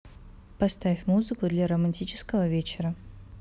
поставь музыку для романтического вечера